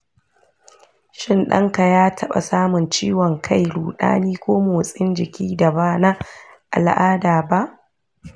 shin ɗanka ya taɓa samun ciwon kai, ruɗani, ko motsin jiki da ba na al’ada ba?